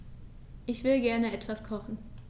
Ich will gerne etwas kochen.